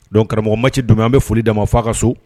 Don karamɔgɔ masi dɔ an bɛ foli dama ma fɔ ka so